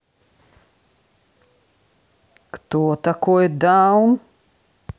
кто такой даун